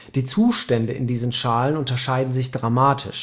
Die Zustände in diesen Schalen unterscheiden sich dramatisch